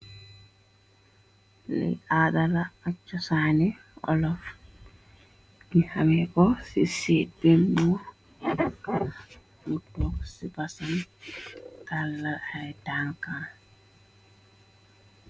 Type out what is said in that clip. Le adala ak chosani olaf nuhameko sisi set bibu mor cpasin talal ay tankam.